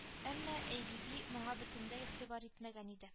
Әмма айбиби моңа бөтенләй игътибар итмәгән иде